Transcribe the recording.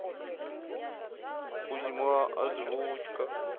кузьма озвучка